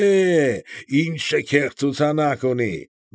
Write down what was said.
Էէ, ի՞նչ շքեղ ցուցանակ ունի։